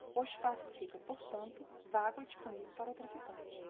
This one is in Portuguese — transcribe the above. o espaço fica portanto vago e disponível para o traficante